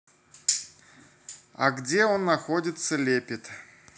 а где он находится лепит